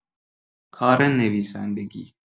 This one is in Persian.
کار نویسندگی